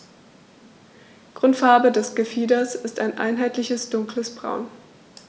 Grundfarbe des Gefieders ist ein einheitliches dunkles Braun.